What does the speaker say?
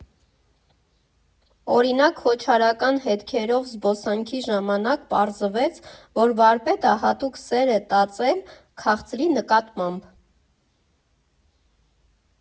Օրինակ, քոչարական հետքերով զբոսանքի ժամանակ պարզվեց, որ վարպետը հատուկ սեր է տածել քաղցրի նկատմամբ։